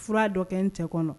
Fura dɔ kɛ n cɛ kɔnɔ